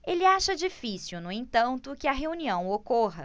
ele acha difícil no entanto que a reunião ocorra